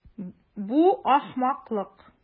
Бу ахмаклык.